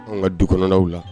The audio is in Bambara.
An ka du kɔnɔnaw la